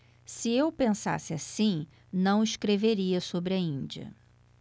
se eu pensasse assim não escreveria sobre a índia